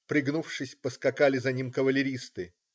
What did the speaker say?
Пригнувшись, поскакали за ним кавалеристы.